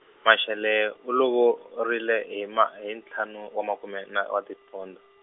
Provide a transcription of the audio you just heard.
Mashele u lovorile hi ma hi ntlhanu o wa makume na tipondo.